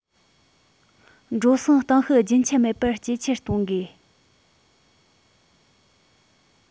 འགྲོ སོང གཏོང ཤུགས རྒྱུན ཆད མེད པར ཇེ ཆེར གཏོང དགོས